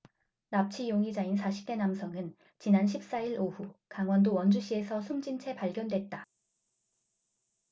납치 용의자인 사십 대 남성은 지난 십 사 일 오후 강원도 원주시에서 숨진채 발견됐다